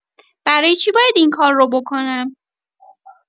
برای چی باید این کار رو بکنم؟